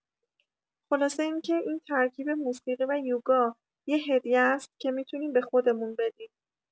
خلاصه اینکه این ترکیب موسیقی و یوگا یه هدیه‌ست که می‌تونیم به خودمون بدیم.